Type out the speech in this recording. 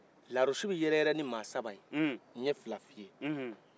lawurusi bɛ yɛrɛ yɛrɛ nin mɔgɔ saba ye n ye fila f'i ye nhun hun